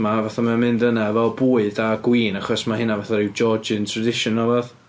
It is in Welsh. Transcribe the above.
Ma' fatha mae o'n mynd yna efo bwyd a gwin achos mae hynna fatha rhyw Georgian tradition neu rywbeth.